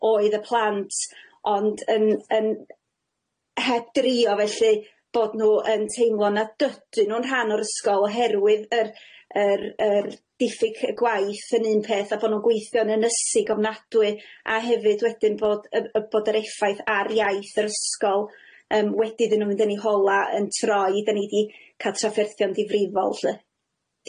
oedd y plant ond yn yn heb drio felly bod nhw yn teimlo na dydyn nhw'n rhan o'r ysgol oherwydd yr yr yr diffyg yy gwaith yn un peth a bo' nw'n gweithio'n ynysig ofnadwy a hefyd wedyn bod y- y- bod yr effaith ar iaith yr ysgol yym wedi iddyn nhw mynd yn eu hola yn troi dan ni 'di ca'l trafferthion difrifol lly.